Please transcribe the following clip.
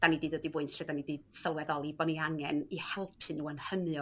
'da ni 'di dod i bwynt lle 'da ni 'di sylweddoli bo' ni angen i helpu n'w yn hynny o